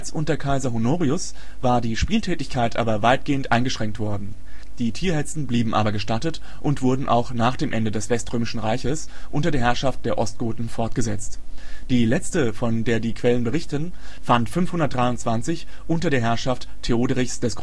unter Kaiser Honorius war die Spieltätigkeit aber weitgehend eingeschränkt worden. Die Tierhetzen blieben aber gestattet und wurden aber auch nach dem Ende des Weströmischen Reichs unter der Herrschaft der Ostgoten fortgesetzt. Die letzte, von der die Quellen berichten, fand 523 unter der Herrschaft Theoderichs des